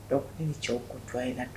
Dɔw ni cɛw ko jɔ la